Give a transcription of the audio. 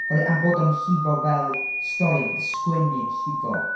Oher- am bod o'n llifo fel stori ond bod sgwennu yn llifo...